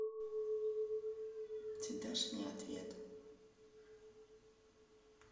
ты дашь мне ответ